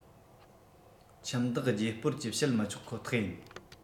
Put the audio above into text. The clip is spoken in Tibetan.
ཁྱིམ བདག བརྗེ སྤོར གྱི བྱེད མི ཆོག ཁོ ཐག ཡིན